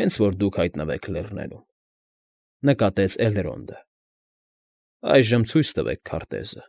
հենց որ դուք հայտնվեք լեռներում,֊ նկատեց Էլրոնդը։֊ Այժմ ցույց տվեք քարտեզը։